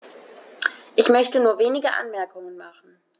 Ich möchte nur wenige Anmerkungen machen.